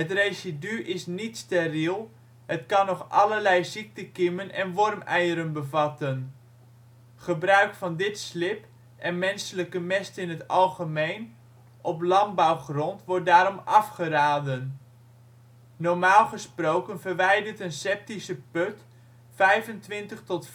residu is niet steriel, het kan nog allerlei ziektekiemen en wormeieren bevatten. Gebruik van dit slib, en menselijke mest in het algemeen, op landbouwgrond wordt daarom afgeraden. Normaal gesproken verwijdert een septische put 25 % tot